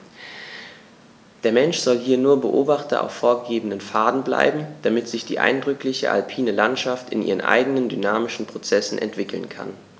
Der Mensch soll hier nur Beobachter auf vorgegebenen Pfaden bleiben, damit sich die eindrückliche alpine Landschaft in ihren eigenen dynamischen Prozessen entwickeln kann.